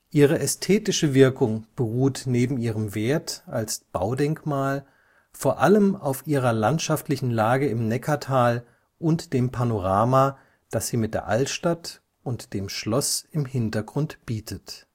Ihre ästhetische Wirkung beruht neben ihrem Wert als Baudenkmal vor allem auf ihrer landschaftlichen Lage im Neckartal und dem Panorama, das sie mit der Altstadt und dem Schloss im Hintergrund bietet